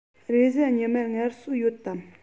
རེས གཟའ ཉི མར ངལ གསོ ཡོད དམ